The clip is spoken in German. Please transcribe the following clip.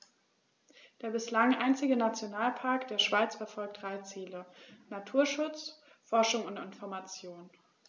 Der bislang einzige Nationalpark der Schweiz verfolgt drei Ziele: Naturschutz, Forschung und Information.